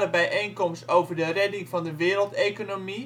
bijeenkomst over de redding van de wereldeconomie